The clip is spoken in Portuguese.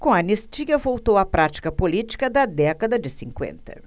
com a anistia voltou a prática política da década de cinquenta